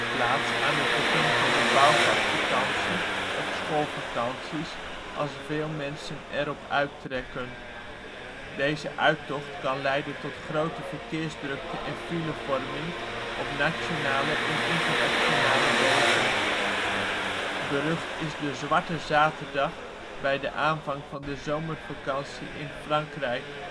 plaats aan het begin van de bouwvakvakantie of schoolvakanties, als veel mensen eropuit trekken. Deze uittocht kan leiden tot grote verkeersdrukte en filevorming op nationale en internationale wegen. Berucht is de ' zwarte zaterdag ' (Frans: Le samédi noir) bij de aanvang van de zomervakantie in Frankrijk